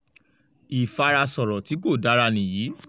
Ìfarasọ̀rọ̀ tí kò dára nìyí